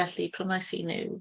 Felly, prynais i nhw.